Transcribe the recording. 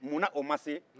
munna o ma se